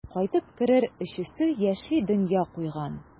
Кайтып керер өчесе яшьли дөнья куйган.